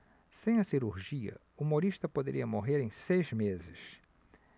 sem a cirurgia humorista poderia morrer em seis meses